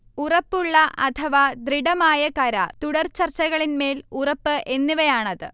ഉറപ്പുള്ള അഥവാ ദൃഢമായ കരാർ, തുടർചർച്ചകളിന്മേൽ ഉറപ്പ് എന്നിവയാണത്